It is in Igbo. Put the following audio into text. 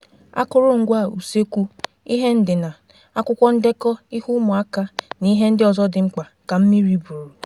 Akụrụngwa ụsekwu, ihe ndina, akwụkwọ ndekọ ihe ụmụaka, na ihe ndị ọzọ dị mkpa ka mmiri buru.